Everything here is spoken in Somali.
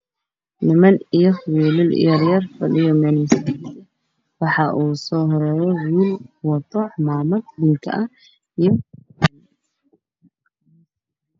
Niman iyo wiilal fadhiyo meel masaahid ah oo wato cimaamado binki ah